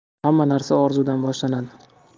hamma narsa orzudan boshlanadi